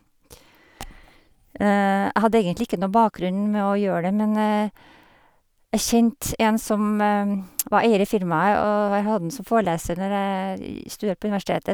Jeg hadde egentlig ikke noe bakgrunn med å gjøre det, men jeg kjente en som var eier i firmaet, og jeg har hatt ham som foreleser når jeg studerte på universitetet.